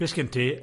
Be' sgen ti?